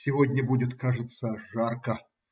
Сегодня будет, кажется, жарко.